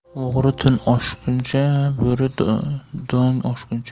o'g'ri tun oshguncha bo'ri do'ng oshguncha